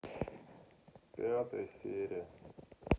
пятая серия